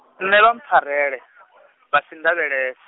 nṋe vha mpfarele, vhasi nndavhelese.